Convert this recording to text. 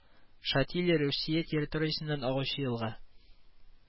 Шатили Русия территориясеннән агучы елга